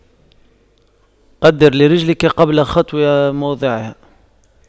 قَدِّرْ لِرِجْلِكَ قبل الخطو موضعها